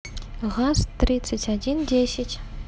газ тридцать один десять